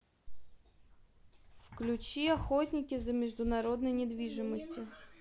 включи охотники за международной недвижимостью